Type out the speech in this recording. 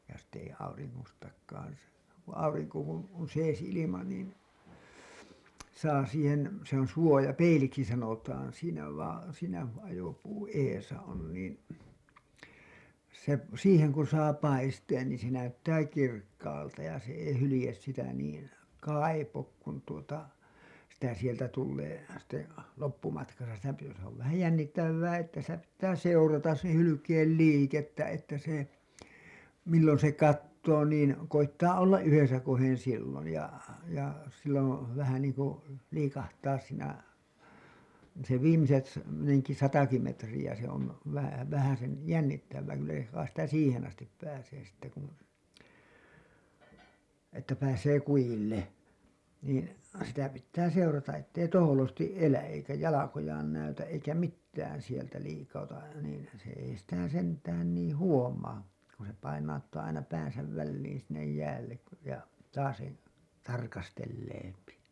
ja sitten ei auringostakaan saa aurinko kun on sees ilma niin saa siihen se on suojapeiliksi sanotaan siinä vaatetta siinä ajopuun edessä on niin se siihen kun saa paisteen niin se näyttää kirkkaalta ja se ei hylje sitä niin kaipaa kun tuota sitä sieltä tulee sitten loppumatkassa sitä - se on vähän jännittävää että sitä pitää seurata sen hylkeen liikettä että se milloin se katsoo niin koettaa olla yhdessä kohden silloin ja ja silloin vähän niin kuin liikahtaa siinä se viimeiset - satakin metriä se on - vähäsen jännittävää kyllä jos vain sitä siihen asti pääsee sitten kun että pääsee kujille niin sitä pitää seurata että ei tohelosti elä eikä jalkojaan näytä eikä mitään sieltä liikauta niin se ei sitä sentään niin huomaa kun se painauttaa aina päänsä väliin sinne jäälle kun ja taas tarkastelee